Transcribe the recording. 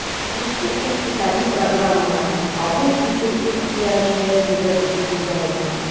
Тиешле икътисадый программаларны кабул итү ихтыяҗы туды дип күзаллана.